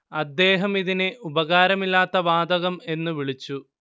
അദ്ദേഹം ഇതിനെ ഉപകാരമില്ലാത്ത വാതകം എന്നു വിളിച്ചു